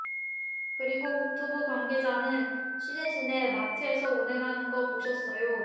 그리고 국토부 관계자는 취재진에 마트에서 운행하는 거 보셨어요